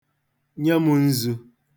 Nye m nzu.